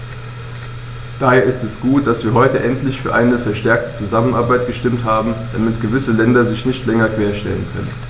Daher ist es gut, dass wir heute endlich für eine verstärkte Zusammenarbeit gestimmt haben, damit gewisse Länder sich nicht länger querstellen können.